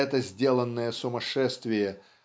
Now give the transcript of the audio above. это сделанное сумасшествие